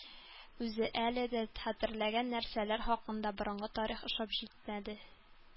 Үзе әле дә хәтерләгән нәрсәләр хакында борынгы тарих ошап җитмәде